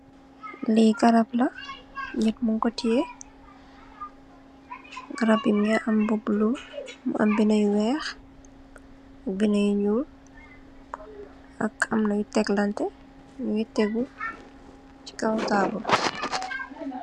Li garab la nit mung ko tè, garab bi mungi am bu bulo, mu am binda yu weeh, binda yu ñuul ak amna yu teglantè nungi tégu ci kaw taabul.